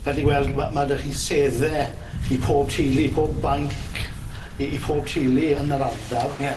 Fel chi weld ma' ma' 'dy chi sedde i pob tulu pob fainc i i pob tulu yn yr ardal. Ie.